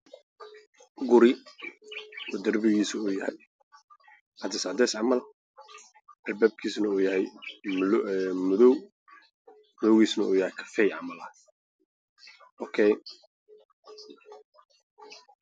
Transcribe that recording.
Guri darbigiisu yahay cadees cadees camal Albaabkiisuna uu yahay madow madowgiisana uu yahay kafee camal ok